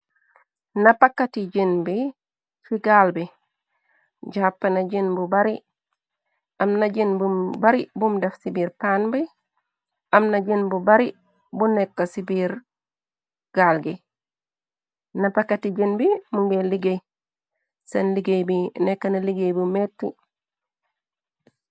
Na pakati jen bi ci gaal bi jàppa na jën bu bari bum def ci biir pann bay amna jën bu bari bu neke ci bir gaal gi na pakati jën bi mu ngil liggéey seen liggéey bi nekkna liggéey bu metti.